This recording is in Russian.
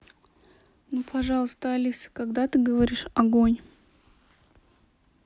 ну пожалуйста алиса когда ты говоришь огонь